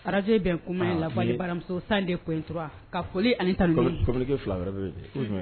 Araze bɛn kuma lamuso de kotura ka foli ani